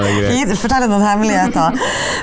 forteller noen hemmeligheter .